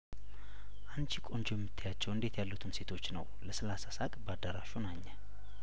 አንቺ ቆንጆ የምትያቸው እንዴት ያሉትን ሴቶች ነው ለስላሳ ሳቅ በአዳራሹ ናኘ